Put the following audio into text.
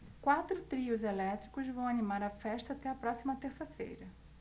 quatro trios elétricos vão animar a festa até a próxima terça-feira